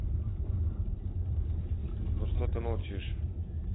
ну что ты молчишь